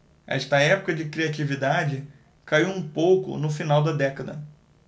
esta época de criatividade caiu um pouco no final da década